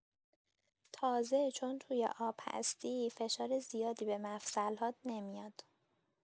تازه، چون توی آب هستی، فشار زیادی به مفصل‌هات نمیاد.